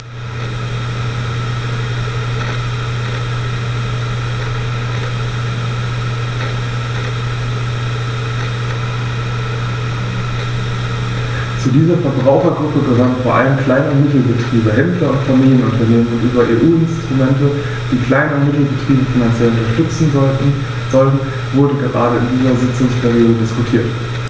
Zu dieser Verbrauchergruppe gehören vor allem Klein- und Mittelbetriebe, Händler und Familienunternehmen, und über EU-Instrumente, die Klein- und Mittelbetriebe finanziell unterstützen sollen, wurde gerade in dieser Sitzungsperiode diskutiert.